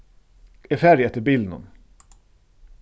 eg fari eftir bilinum